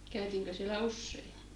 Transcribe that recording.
käytiinkö siellä usein